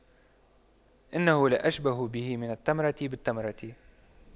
إنه لأشبه به من التمرة بالتمرة